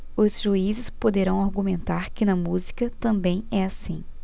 os juízes poderão argumentar que na música também é assim